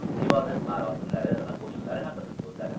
ibodat marosimlari va qo'shiqlari haqida so'zladi